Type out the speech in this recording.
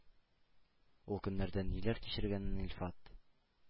Ул көннәрдә ниләр кичергәнен Илфат